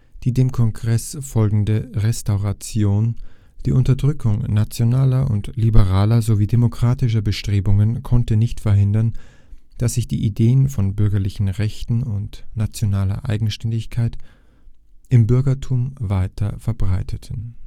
Die dem Kongress folgende Restauration, die Unterdrückung nationaler und liberaler sowie demokratischer Bestrebungen, konnte nicht verhindern, dass sich die Ideen von bürgerlichen Rechten und nationaler Eigenständigkeit im Bürgertum weiter verbreiteten